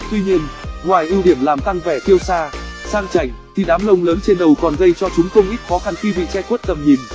tuy nhiên ngoài ưu điểm làm tăng vẻ kiêu sa sang chảnh thì đám lông lớn trên đầu còn gây cho chúng không ít khó khăn khi bị che khuất tầm nhìn